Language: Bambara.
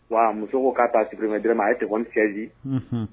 Wa muso ko k'a ta siribimɛ d ma a ye tɛyɛji